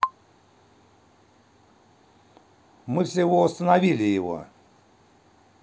мы всего установили его